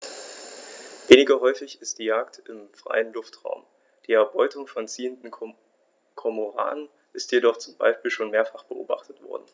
Weniger häufig ist die Jagd im freien Luftraum; die Erbeutung von ziehenden Kormoranen ist jedoch zum Beispiel schon mehrfach beobachtet worden.